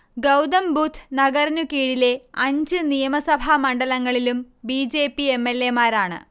ഗൗതംബുദ്ധ് നഗറിനു കീഴിലെ അഞ്ച് നിയമസഭാ മണ്ഡലങ്ങളിലും B. J. P M. L. A മാരാണ്